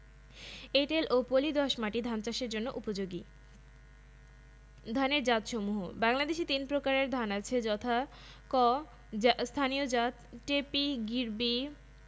উফশী ধানে যখন প্রয়োজনীয় বিশেষ গুনাগুণ যেমন রোগবালাই সহনশীলতা স্বল্প জীবনকাল চিকন চাল খরা লবনাক্ততা জলমগ্নতা সহিষ্ণু ইত্যাদি সংযোজিত হয় তখন তাকে আধুনিক ধান বলে